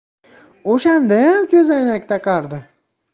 o'shandayam ko'zoynak taqardi